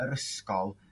yr ysgol